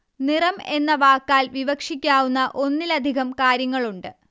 നിറം എന്ന വാക്കാൽ വിവക്ഷിക്കാവുന്ന ഒന്നിലധികം കാര്യങ്ങളുണ്ട്